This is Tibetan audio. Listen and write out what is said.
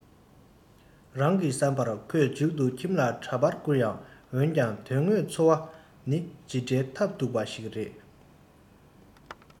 རིང གི བསམ པར ཁོས མཇུག ཏུ ཁྱིམ ལ འདྲ པར བསྐུར ཡང འོན ཀྱང དོན དངོས འཚོ བ ནི ཇི འདྲའི ཐབས སྡུག པ ཞིག རེད